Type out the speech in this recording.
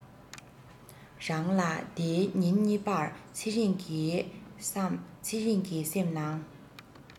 རང ལ དེའི ཉིན གཉིས པར ཚེ རིང གི བསམ ཚེ རིང གི སེམས ནང